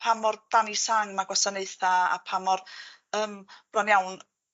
pa mor dan 'i sang ma' gwasanaetha' a pa mor yym bron iawn